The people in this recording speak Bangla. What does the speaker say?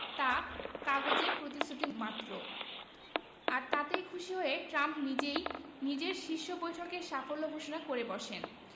তা কাগুজে প্রতিশ্রুতিমাত্র আর তাতেই খুশি হয়ে ট্রাম্প নিজের শীর্ষ বৈঠকের সাফল্য ঘোষণা করে বসেন